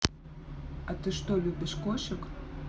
а ты что ты любишь кошек